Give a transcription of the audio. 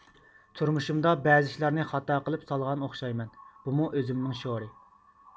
تۇرمۇشۇمدا بەزى ئىشلارنى خاتا قىلىپ سالغان ئوخشايمەن بۇمۇ ئۆزۈمنىڭ شورى